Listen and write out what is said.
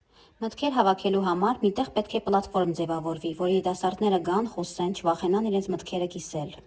Մտքեր հավաքելու համար մի տեղ պետք է պլատֆորմ ձևավորվի, որ երիտասարդները գան, խոսեն, չվախենան իրենց մտքերը կիսել։